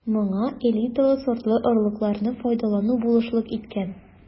Моңа элиталы сортлы орлыкларны файдалану булышлык иткән.